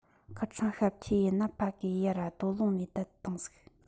ཁིར ཚང ཤབ ཁྱུ ཡིན ནཕ གིས ཡར ར རྡོ ལུང ནས བསྡད བཏང ཟིག